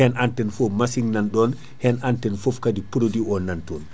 hen antenne foo machine nanɗon hen antenne foof kaadi produit o nanton